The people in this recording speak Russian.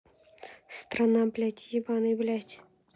страна блядь ебаный блядь